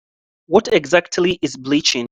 What exactly is bleaching?